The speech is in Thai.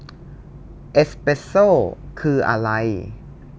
เอสเปสโซ่คืออะไร